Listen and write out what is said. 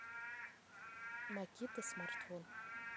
makita смартфон